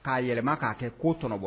K'a yɛlɛma k'a kɛ ko tɔnɔbɔ